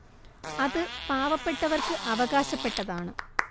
അത് പാവപ്പെട്ടവർക്ക് അവകാശപ്പെട്ടതാണ്